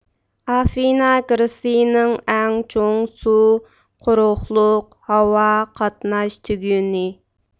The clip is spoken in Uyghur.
ئافېنا گرېتسىيىنىڭ ئەڭ چوڭ سۇ قۇرۇقلۇق ھاۋا قاتناش تۈگۈنى